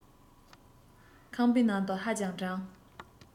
ཁང པའི ནང དུ ཧ ཅང གྲང